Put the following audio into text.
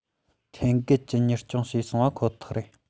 ཁྲིམས འགལ གྱིས གཉེར སྐྱོང བྱས སོང པ ཁོ ཐག རེད